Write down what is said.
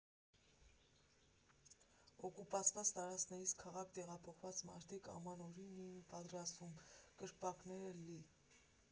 Օկուպացված տարածքներից քաղաք տեղափոխված մարդիկ Ամանորին էին պատրաստվում, կրպակները՝ լի։